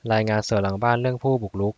รายงานสวนหลังบ้านเรื่องผู้บุกรุก